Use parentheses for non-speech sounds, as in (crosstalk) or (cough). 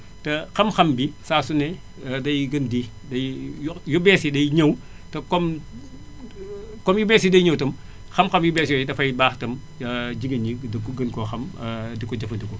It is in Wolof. te (hesitation) xam-xam bi saa su ne (hesitation) day gën di day (hesitation) yo yu bees yi day ñëw te comme comme yu bees yi day ñëw tam xam-xam yu bees yooyu dafay baax tam (hesitation) jigéen ñi gën koo xam (hesitation) di ko jafandikoo